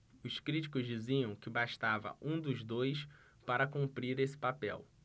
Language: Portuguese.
os críticos diziam que bastava um dos dois para cumprir esse papel